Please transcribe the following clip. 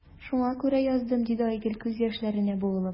Шуңа күрә яздым,– диде Айгөл, күз яшьләренә буылып.